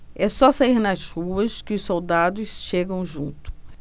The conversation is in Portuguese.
é só sair nas ruas que os soldados chegam junto